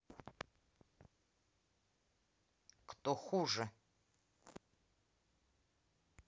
кто хуже